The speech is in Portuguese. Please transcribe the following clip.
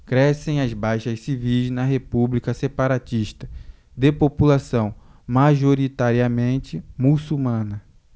crescem as baixas civis na república separatista de população majoritariamente muçulmana